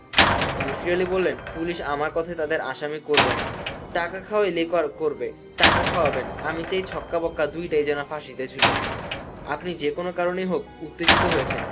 মিসির আলি বললেন পুলিশ আমার কথায় তাদের আসামি করবে না টাকা খাওয়ালেই করবে টাকা খাওয়াবেন আমি চাই ছক্কা বক্কা দুইটাই যেন ফাঁসিতে ঝুলে আপনি যে কোন কারনেই হোক উত্তেজিত হয়েছেন